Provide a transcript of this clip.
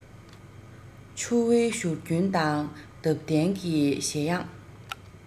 ཆུ བོའི བཞུར རྒྱུན དང འདབ ལྡན གྱི བཞད དབྱངས